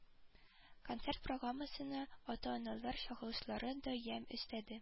Концерт программасына ата-аналар чыгышлары да ямь өстәде